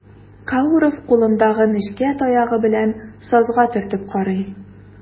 Кауров кулындагы нечкә таягы белән сазга төртеп карый.